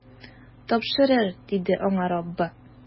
Тапшырыр, - диде аңа Раббы.